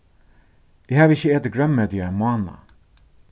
eg havi ikki etið grønmeti í ein mánað